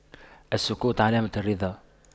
السكوت علامة الرضا